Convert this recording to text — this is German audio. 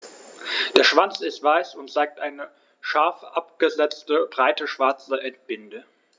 Der Schwanz ist weiß und zeigt eine scharf abgesetzte, breite schwarze Endbinde.